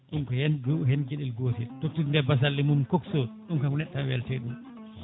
ɗum ko yen hen gueɗel gotel tottirde basalle mum coxeur ɗum ko neɗɗo o welte ɗum